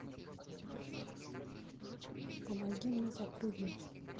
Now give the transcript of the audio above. помоги мне запрыгнуть